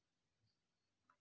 а в каком клубе ты будешь